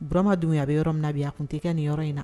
Burama don a bɛ yɔrɔ min na bi a kun tun tɛ nin yɔrɔ min na